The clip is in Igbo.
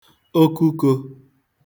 okukō